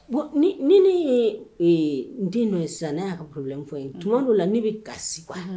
Bon ni ne ye n den dɔ ye sisan ne y'a ka kulen fɔ yen tuma dɔ la ne bɛ ga